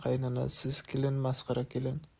qaynanasiz kelin masxara kelin